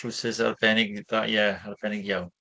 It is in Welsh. Trowsus arbennig, yy, dda ie hy-, arbennig iawn.